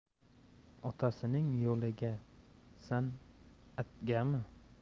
otasining yo'liga san'atgami